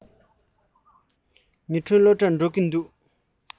ཉི སྒྲོན སློབ གྲྭར འགྲོ གི འདུག